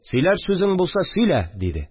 Сөйләр сүзең булса сөйлә», – диде